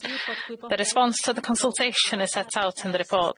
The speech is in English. The response to the consultation is set out in the report.